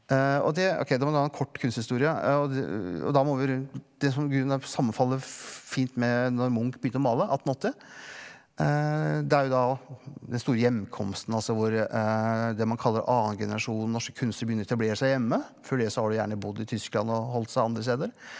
og det ok det var nå en kort kunsthistorie og og da må vi det som i grunn sammenfaller fint med når Munch begynte å male 1880 det er jo da den store hjemkomsten altså hvor det man kaller annengenerasjon norske kunstnere begynner å etablere seg hjemme før det så har de gjerne bodd i Tyskland og holdt seg andre steder.